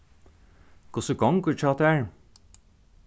hvussu gongur hjá tær